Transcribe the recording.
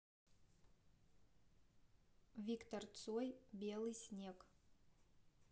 виктор цой белый снег